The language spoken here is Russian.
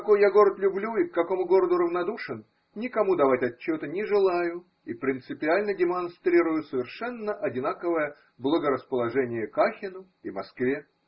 какой я город люблю и к какому городу равнодушен, никому давать отчета не желаю, и принципиально демонстрирую совершенно одинаковое благорасположение к Ахену и Москве.